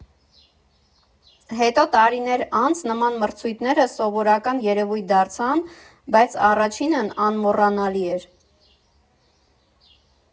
Հետո՝ տարիներ անց, նման մրցույթները սովորական երևույթ դարձան, բայց առաջինն անմոռանալի էր։